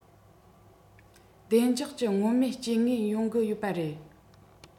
བདེ འཇགས ཀྱི མངོན མེད རྐྱེན ངན ཡོང གི ཡོད པ རེད